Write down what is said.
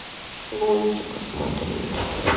лунтика смотреть